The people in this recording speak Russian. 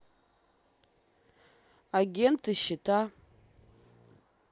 агенты щита